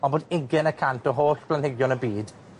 Ond bod ugen y cant o holl blanhigion y byd